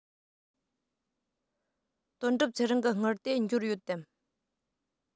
དོན གྲུབ ཚེ རིང གི དངུལ དེ འབྱོར ཡོད དམ